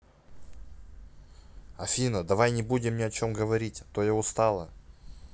афина давай не о чем не будем говорить то я устала